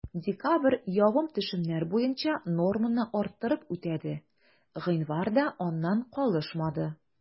Декабрь явым-төшемнәр буенча норманы арттырып үтәде, гыйнвар да аннан калышмады.